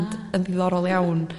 ond yn ddiddorol iawn